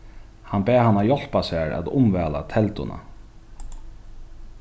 hann bað hana hjálpa sær at umvæla telduna